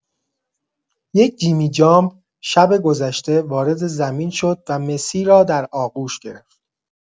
یک جیمی جامپ شب گذشته وارد زمین شد و مسی را در آغوش گرفت.